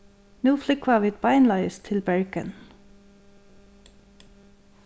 nú flúgva vit beinleiðis til bergen